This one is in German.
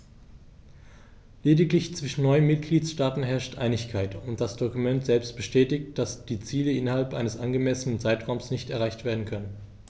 Lediglich zwischen neun Mitgliedsstaaten herrscht Einigkeit, und das Dokument selbst bestätigt, dass die Ziele innerhalb eines angemessenen Zeitraums nicht erreicht werden können.